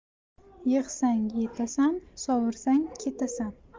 yig'sang yetasan sovursang ketasan